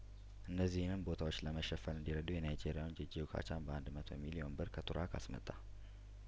እነዚህንም ቦታዎች ለመሸፈን እንዲ ረዱ የናይጄሪያውን ጄይጄይ ኦኮቻን በአንድ መቶ ሚሊዮን ብር ከቱራ ክ አስመጣ